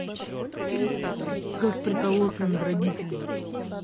как приколоться над родителями